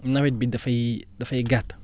nawet bi dafay daya gàtt